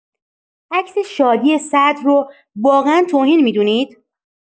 عکس شادی صدر رو واقعا توهین می‌دونید؟